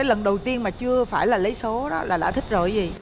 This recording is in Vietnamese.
lần đầu tiên mà chưa phải là lấy số đó là đã thích rồi ấy gì